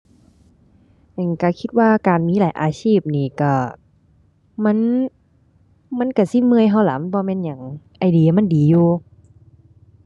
ก็คิดว่าการมีหลายอาชีพนี่ก็ มันก็สิเมื่อยก็ล่ะ มันบ่แม่นหยัง ไอ้ดีอะมันดีอยู่